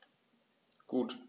Gut.